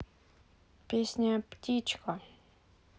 песня птичка